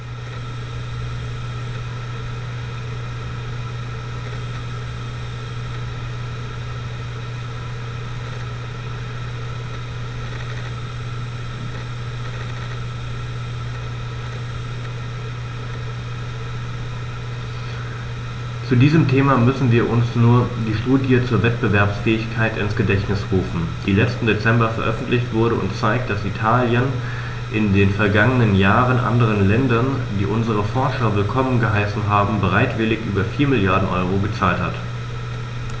Zu diesem Thema müssen wir uns nur die Studie zur Wettbewerbsfähigkeit ins Gedächtnis rufen, die letzten Dezember veröffentlicht wurde und zeigt, dass Italien in den vergangenen Jahren anderen Ländern, die unsere Forscher willkommen geheißen haben, bereitwillig über 4 Mrd. EUR gezahlt hat.